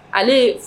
Ale